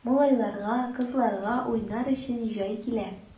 Малайларга, кызларга уйнар өчен җай килә!